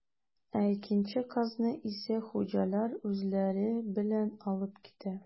Ә икенче казны исә хуҗалар үзләре белән алып китә.